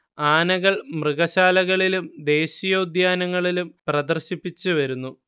ആനകൾ മൃഗശാലകളിലും ദേശീയോദ്യാനങ്ങളിലും പ്രദർശിപ്പിച്ചുവരുന്നു